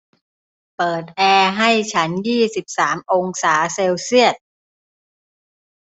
เปิดแอร์ให้ฉันยี่สิบสามองศาเซลเซียส